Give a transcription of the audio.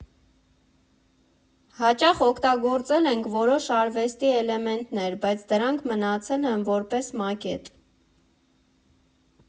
Հաճախ օգտագործել ենք որոշ արվեստի էլեմենտներ, բայց դրանք մնացել են որպես մակետ։